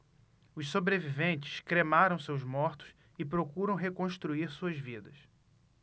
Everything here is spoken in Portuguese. os sobreviventes cremaram seus mortos e procuram reconstruir suas vidas